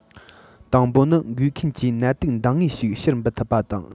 དང པོ ནི འགོས མཁན གྱིས ནད དུག འདང ངེས ཤིག ཕྱིར འབུད ཐུབ པ དང